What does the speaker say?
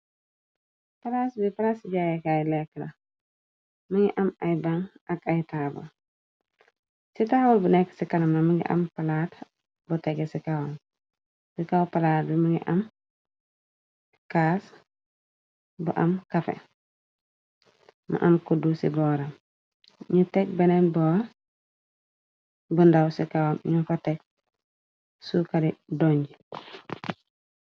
Paraas bi prasi jaayekaay lekk la mi ngi am ay bam ak ay taaba ci taawal bu nekk ci kanamna mi ngi am palaat bu tege ci kawam bi kaw palaat bi ma ngi am caas bu am kafe ma am kuddu ci boora ñu teg beneen bool bë ndaw ci kawam ñu fa teg suukari don yi.